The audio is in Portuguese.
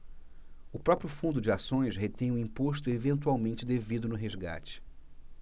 o próprio fundo de ações retém o imposto eventualmente devido no resgate